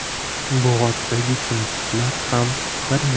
bo'g'otdagi chumchuqlar ham bir